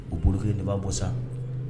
O bolo kelen de b'a bɔ sa